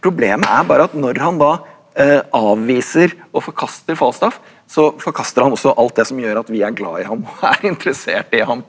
problemet er bare det at når han da avviser og forkaster Falstaff, så forkaster han også alt det som gjør at vi er glad i ham og er interessert i ham.